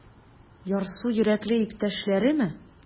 Ярсу йөрәкле иптәшләреме?